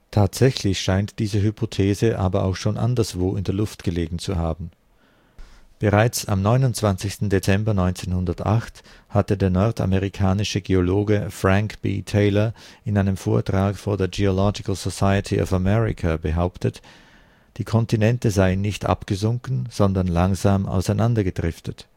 Tatsächlich scheint diese Hypothese aber auch schon anderswo in der Luft gelegen zu haben. Bereits am 29. Dezember 1908 hatte der nordamerikanische Geologe Frank B. Taylor in einem Vortrag vor der Geological Society of America behauptet, die Kontinente seien nicht abgesunken, sondern langsam auseinandergedriftet